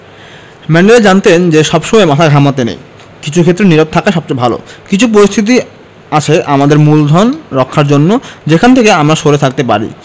Mandela জানতেন যে সব বিষয়ে মাথা ঘামাতে নেই কিছু ক্ষেত্রে নীরব থাকাই সবচেয়ে ভালো কিছু পরিস্থিতি আছে আমাদের মূলধন রক্ষার জন্য যেখান থেকে আমরা সরে থাকতে পারি